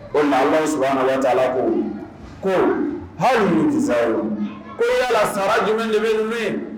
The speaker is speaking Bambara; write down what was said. Ko na s t'a la ko ko hali tɛ ko yalalasara jumɛn jumɛn tun bɛ